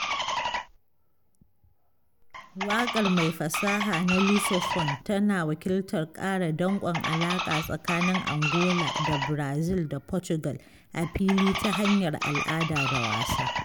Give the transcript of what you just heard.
Waƙar mai fasaha na Lusophone tana wakiltar ƙara danƙon alaƙa tsakanin Angola da Brazil da Portugal - a fili ta hanyar al'ada da wasa.